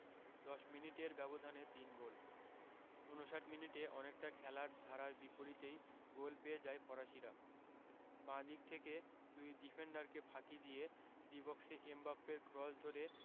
১০ মিনিটের ব্যবধানে তিন গোল ৫৯ মিনিটে অনেকটা খেলার ধারার বিপরীতেই গোল পেয়ে যায় ফরাসিরা বাঁ দিক থেকে দুই ডিফেন্ডারকে ফাঁকি দিয়ে ডি বক্সে এমবাপ্পের ক্রস ধরে